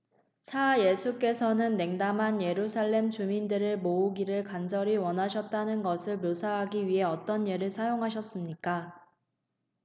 사 예수께서는 냉담한 예루살렘 주민들을 모으기를 간절히 원하셨다는 것을 묘사하기 위해 어떤 예를 사용하셨습니까